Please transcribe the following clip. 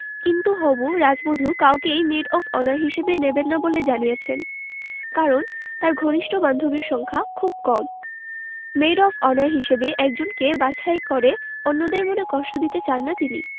কিন্তু হবু রাজবধূ কাউকেই মেড অব অনার হিসেবে নেবেন না বলে জানিয়েছেন কারণ তাঁর ঘনিষ্ঠ বান্ধবীর সংখ্যা খুব কম মেড অব অনার হিসেবে একজনকে বাছাই করে অন্যদের মনে কষ্ট দিতে চান না তিনি